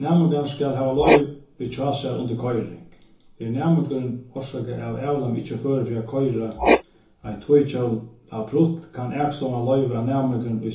hjá sær undir koyring er næmingurin orsakað av avlami ikki førur fyri at koyra eitt tvíhjól prutl kann akstovan loyva at næmingurin í